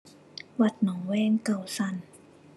วัดหนองแวงเก้าชั้น